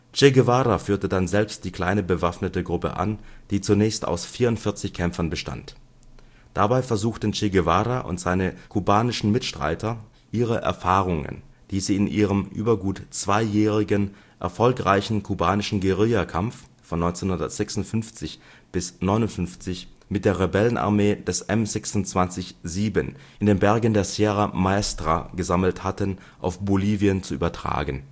Che Guevara führte dann selbst die kleine bewaffnete Gruppe an, die zunächst aus 44 Kämpfern bestand. Dabei versuchten Che Guevara und seine kubanischen Mitstreiter, ihre Erfahrungen, die sie in ihrem über gut zweijährigen, erfolgreichen kubanischen Guerillakampf (1956 - 1959) mit der Rebellenarmee des M-26-7 in den Bergen der Sierra Maestra gesammelt hatten, auf Bolivien zu übertragen